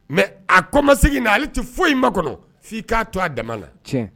Mɛ a kɔ ma segin na ale tɛ foyi in ma kɔnɔ f' k'a to a dama kan